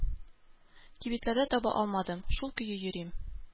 Кибетләрдә таба алмадым, шул көе йөрим.